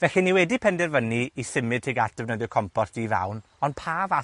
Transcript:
Felly, ni wedi penderfynu i symud tuag at defnyddio compost di-fawn, ond pa fath